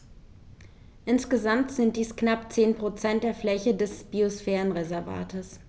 Insgesamt sind dies knapp 10 % der Fläche des Biosphärenreservates.